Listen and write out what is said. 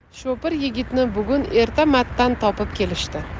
shopir yigitni bugun erta mattan topib kelishdi